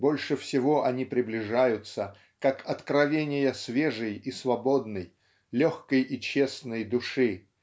больше всего они приближаются как откровения свежей и свободной легкой и честной души